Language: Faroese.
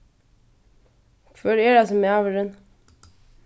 hvør er hasin maðurin